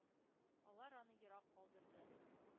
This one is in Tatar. Алар аны ерак калдырды.